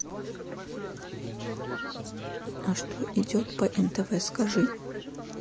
а что идет по нтв скажи